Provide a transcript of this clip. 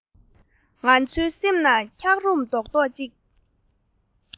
ང ཚོའི སེམས ན ཆབ རོམ རྡོག རྡོག གཅིག